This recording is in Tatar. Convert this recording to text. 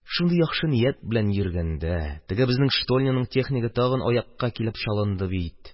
Шундый яхшы ният белән йөргәндә, теге – безнең штольняның технигы тагын аякка килеп чалынды бит.